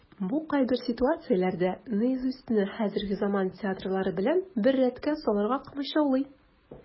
Бу кайбер ситуацияләрдә "Наизусть"ны хәзерге заман театрылары белән бер рәткә салырга комачаулый.